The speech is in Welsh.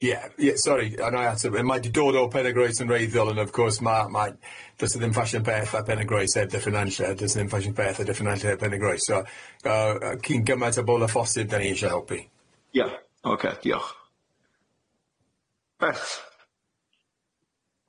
Ie ie sori a 'na' i atab- yy mae 'di dod o Penygroes yn wreiddiol ond of course ma' ma' does 'na ddim ffasiwn beth a Penygroes heb Dyffryn Nantlle does dim ffasiwn peth a Dyffryn Nantlle heb Pen y Groes so yy yy cyn gymaint o bobol a phosib 'dan ni isie helpu. Iawn, ocê, diolch.